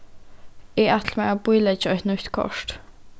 eg ætli mær at bíleggja eitt nýtt kort